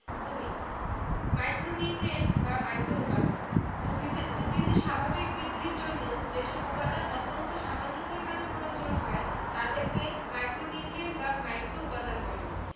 ২ micronutrient বা মাইক্রোউপাদান উদ্ভিদের স্বাভাবিক বৃদ্ধির জন্য যেসব উপাদান অত্যন্ত সামান্য পরিমাণে প্রয়োজন হয় তাদেরকে মাইক্রোনিউট্রিয়েন্ট বা মাইক্রোউপাদান বলে